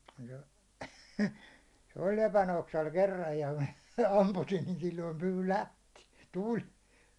se se oli lepänoksalla kerran ja minä ammuin niin silloin pyy lähti tuli